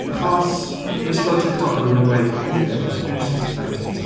Achos wnes i weld TikTok o rywun yn dweud when you think about it 365 days...